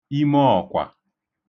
imọọ̀kwà